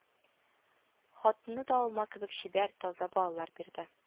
Хатыны да алма кебек чибәр, таза балалар бирде